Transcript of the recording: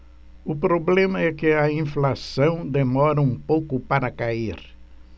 o problema é que a inflação demora um pouco para cair